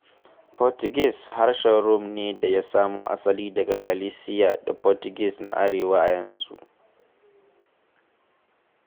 Portuguese harshen Rum ne da ya samo asali daga Galicia da Portuguese na arewa a yanzu.